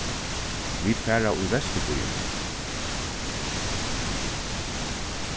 vit fara í vesturbýin